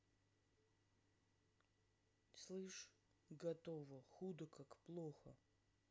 слышь готово худо как плохо